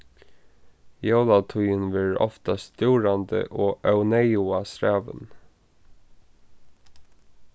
jólatíðin verður ofta stúrandi og óneyðuga strævin